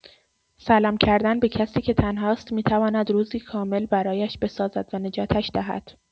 سلام کردن به کسی که تنهاست می‌تواند روزی کامل برایش بسازد و نجاتش دهد.